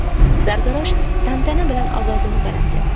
sartarosh tantana bilan ovozini balandlatdi